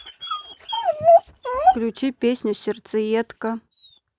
включи песню сердцеедка